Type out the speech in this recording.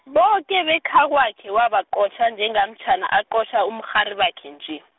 boke bekhakwakhe, wabaqotjha, njengamtjhana aqotjha umrharibakhe nje.